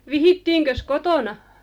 vihittiinkös kotona